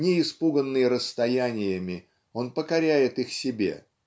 Не испуганный расстояниями, он покоряет их себе